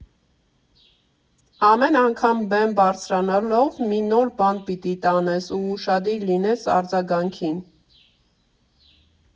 Ամեն անգամ բեմ բարձրանալով մի նոր բան պիտի տանես և ուշադիր լինես արձագանքին։